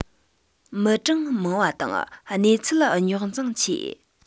མི གྲངས མང བ དང གནས ཚུལ རྙོག འཛིང ཆེ